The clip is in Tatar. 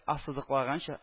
Ассызыклаганча